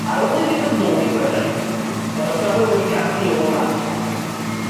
Ar ôl iddi ddod nôl i Brydain o'dd y rhyfel wedi gad'el 'i ôl arni.